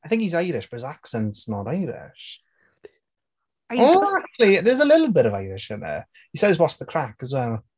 I think he's Irish but his accent's not Irish. Or actually, there's a little bit of Irish in there. He says "What's the craic?" as well.